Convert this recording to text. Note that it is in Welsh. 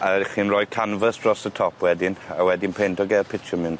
A chi'n roi canfas dros y top wedyn a wedyn peintog e â pitumin